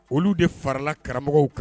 Olu de farala karamɔgɔw kan.